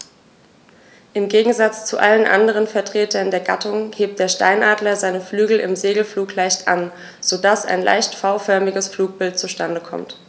Im Gegensatz zu allen anderen Vertretern der Gattung hebt der Steinadler seine Flügel im Segelflug leicht an, so dass ein leicht V-förmiges Flugbild zustande kommt.